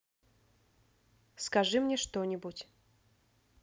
скажи мне что нибудь